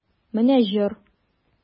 Менә җор!